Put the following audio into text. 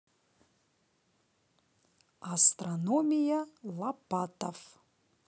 астрономия лопатов